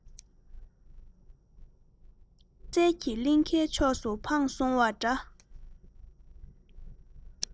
སྐྱེད ཚལ གྱི གླིང གའི ཕྱོགས སུ འཕངས སོང བ འདྲ